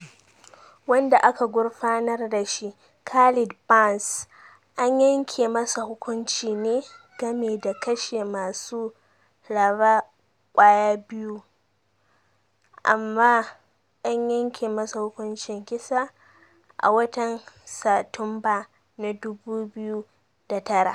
Wanda aka gurfanar da shi, Khalid Barnes, an yanke masa hukunci ne game da kashe masu raba kwaya biyu, amma an yanke masa hukuncin kisa a watan Satumba na 2009.